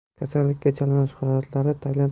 kasallikka chalinish holatlari tailand